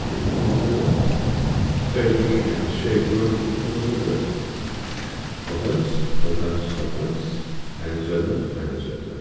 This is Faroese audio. ligvið fimmogtretivu tveyogtrýss minus sjeyogtjúgu ligvið fimmogtretivu hálvfems hálvfems hálvfems einogtretivu einogtretivu